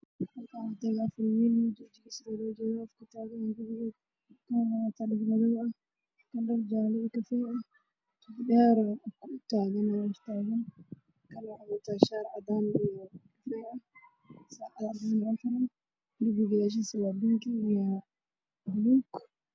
Waa niman meel tagan waxaa hoyaalo mikroofan